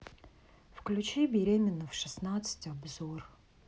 включи беременна в шестнадцать обзор